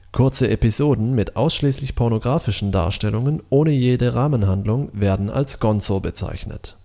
Kurze Episoden mit ausschließlich pornografischen Darstellungen ohne jede Rahmenhandlung werden als Gonzo bezeichnet